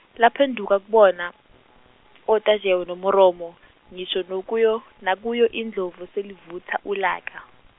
laphenduka kubona oTajewo, noMeromo, ngisho nokuyo- nakuyo indlovu selivutha ulaka.